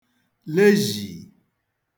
le zhìì